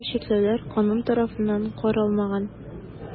Башка чикләүләр канун тарафыннан каралмаган.